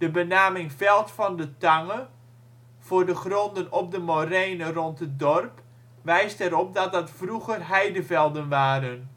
benaming Veld van de Tange voor de gronden op de morene rond het dorp wijst er op dat dat vroeger heidevelden waren